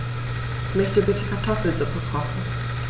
Ich möchte bitte Kartoffelsuppe kochen.